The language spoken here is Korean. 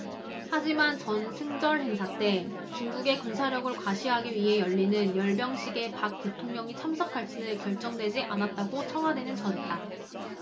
하지만 전승절 행사 때 중국의 군사력을 과시하기 위해 열리는 열병식에 박 대통령이 참석할지는 결정되지 않았다고 청와대는 전했다